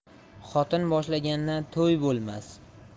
xotin boshlagandan to'y bo'lmas